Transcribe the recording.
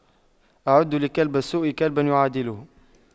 أعدّوا لكلب السوء كلبا يعادله